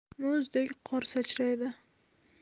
muzdek qor sachraydi